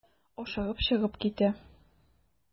Ашыгып чыгып китә.